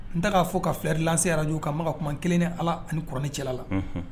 N ta'a fɔ ka fili larajuu kan ma ka kuma kelen ni ala ani kin cɛla la